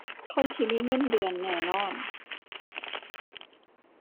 คนที่มีเงินเดือนแน่นอน